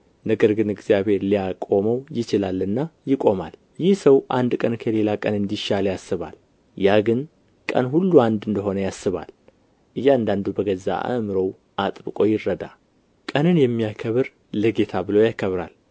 ነገር ግን እግዚአብሔር ሊያቆመው ይችላልና ይቆማል ይህ ሰው አንድ ቀን ከሌላ ቀን እንዲሻል ያስባል ያ ግን ቀን ሁሉ አንድ እንደ ሆነ ያስባል እያንዳንዱ በገዛ አእምሮው አጥብቆ ይረዳ ቀንን የሚያከብር ለጌታ ብሎ ያከብራል